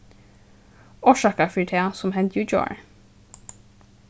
orsaka fyri tað sum hendi í gjár